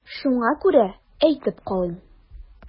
Шуңа күрә әйтеп калыйм.